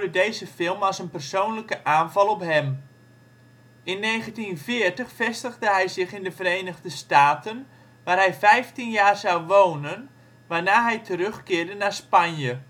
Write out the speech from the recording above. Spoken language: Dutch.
deze film als een persoonlijke aanval op hem. In 1940 vestigde hij zich in de Verenigde Staten, waar hij 15 jaar zou wonen, waarna hij terugkeerde naar Spanje